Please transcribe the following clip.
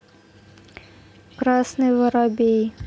красный воробей